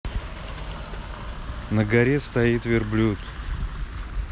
на горе стоит верблюд